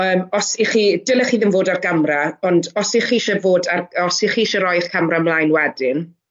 yym os 'ych chi, dylech chi ddim fod ar gamra, ond os 'ych chi isie fod ar, os 'ych chi isie roi 'ych camra mlaen wedyn